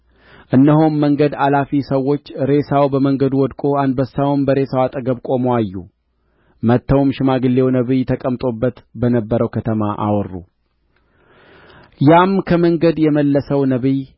እነሆም መንገድ አላፊ ሰዎች ሬሳው በመንገዱ ወድቆ አንበሳውም በሬሳው አጠገብ ቆሞ አዩ መጥተውም ሽማግሌው ነቢይ ተቀምጦባት በነበረው ከተማ አወሩ ያም ከመንገድ የመለሰው ነቢይ